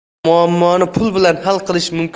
agar muammoni pul bilan hal qilish